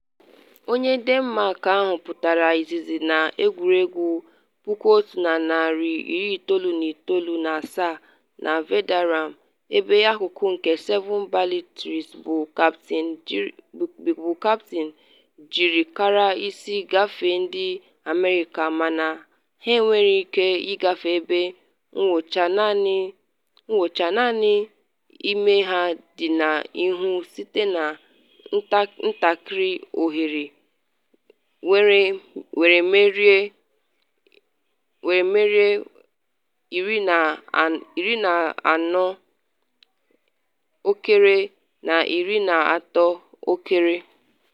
Onye Denmark ahụ pụtara izizi na egwuregwu 1997 na Valderrama, ebe akụkụ nke Seven Ballesteros bụ Captain jiri akara ise gafee ndị America mana ha nwere ike ịgafe ebe ngwucha naanị na imi ha dị n’ihu site na ntakịrị oghere, were merie 14½-13½.